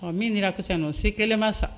Ɔ min dira o si kelen ma sa